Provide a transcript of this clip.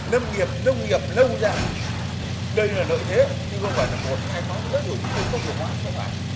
lâm nghiệp nông nghiệp lâu dài đây là lợi thế chứ không phải là một hai khóa nữa rồi chúng tôi công nghiệp hóa không phải